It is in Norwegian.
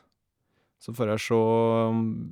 Så får jeg se om...